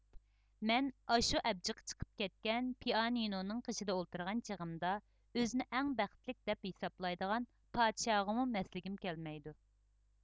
مەن ئاشۇ ئەبجىقى چىقىپ كەتكەن پىئانىنونىڭ قېشىدا ئولتۇرغان چېغىمدا ئۆزىنى ئەڭ بەخىتلىك دەپ ھېسابلايدىغان پادىشاھقىمۇ مەسلىگىم كەلمەيدۇ